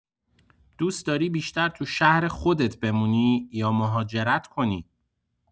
دوست‌داری بیشتر تو شهر خودت بمونی یا مهاجرت کنی؟